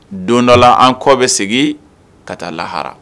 Don dɔ la an kɔ bɛ segin ka taa lahara